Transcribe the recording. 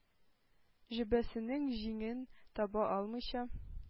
Җөббәсенең җиңен таба алмыйча,